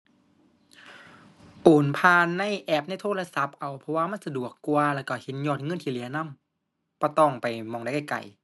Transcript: โอนผ่านในแอป ในโทรศัพท์เอา เพราะว่ามันสะดวกกว่าแล้วก็เห็นยอดเงินที่เหลือนำ บ่ต้องไปหม้องใดไกลไกล